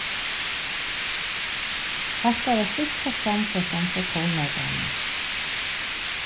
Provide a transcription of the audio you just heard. hatta var síðsta framførslan hjá tónleikaranum